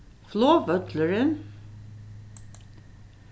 flogvøllurin